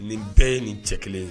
Nin bɛɛ ye nin cɛ kelen ye